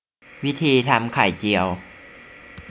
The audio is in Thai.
วิธีีทำไข่เจียว